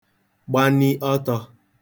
gbani ọtọ̄